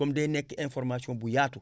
comme day nekk information bu yaatu